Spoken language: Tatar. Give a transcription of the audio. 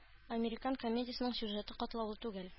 «американ» комедиясенең сюжеты катлаулы түгел.